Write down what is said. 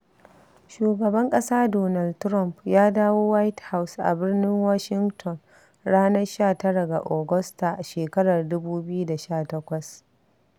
Shugaban ƙasa Donald Trump ya dawo 'White House' a birnin Washington ranar 19 ga Agusta shekarar 2018.